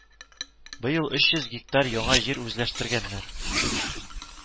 Быел өч йөз гектар яңа җир үзләштергәннәр